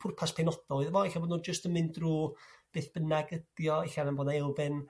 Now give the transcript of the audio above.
pwrpas penodol iddo fo e'lle bo' nhw jyst yn mynd drw' beth bynnag ydi o e'lla ddim bo' 'na elfen